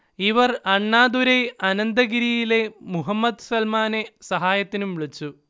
ഇവർ അണ്ണദുരൈ അനന്തഗിരിയിലെ മുഹമ്മദ് സൽമാനെ സഹായത്തിനും വിളിച്ചു